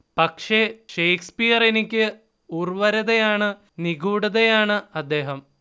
പക്ഷേ, ഷേക്സ്പിയറെനിക്ക് ഉർവരതയാണ് നിഗൂഢതയാണ് അദ്ദേഹം